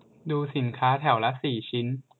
ดูสินค้าแถวละสี่ชิ้น